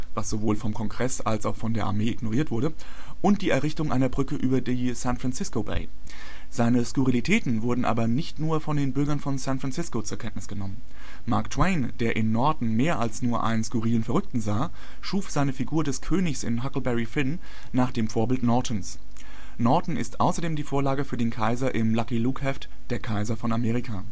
was sowohl vom Kongress als auch von der Armee ignoriert wurde – und die Errichtung einer Brücke über die San Francisco Bay. Seine Skurrilitäten wurden aber nicht nur von den Bürgern von San Francisco zur Kenntnis genommen. Mark Twain, der in Norton mehr als nur einen skurrilen Verrückten sah, schuf seine Figur des Königs in Huckleberry Finn nach dem Vorbild Nortons. Norton ist außerdem die Vorlage für den Kaiser im Lucky-Luke-Heft Der Kaiser von Amerika